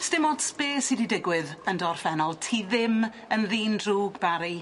'Sdim ots be' sy' 'di digwydd yn dy orffennol ti ddim yn ddyn drwg Bari.